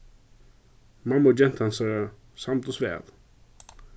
mamma og genta hansara samdust væl